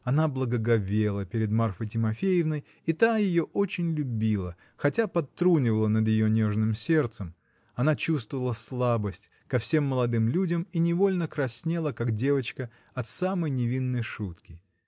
она благоговела перед Марфой Тимофеевной, и та ее очень любила, хотя подтрунивала над ее нежным сердцем: она чувствовала слабость ко всем молодым людям и невольно краснела, как девочка, от самой невинной шутки.